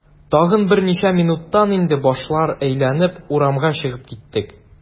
Тагын берничә минуттан инде башлар әйләнеп, урамга чыгып киттек.